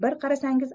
bir qarasangiz